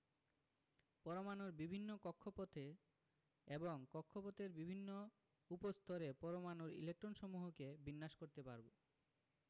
পরমাণুর বিভিন্ন কক্ষপথে এবং কক্ষপথের বিভিন্ন উপস্তরে পরমাণুর ইলেকট্রনসমূহকে বিন্যাস করতে পারব